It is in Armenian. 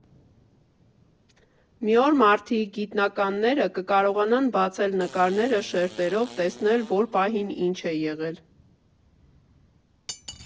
Մի օր մարդիկ, գիտնականները, կկարողանան բացել նկարները շերտերով, տեսնել՝ որ պահին ինչ է եղել։